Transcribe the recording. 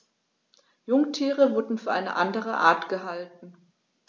Jungtiere wurden für eine andere Art gehalten.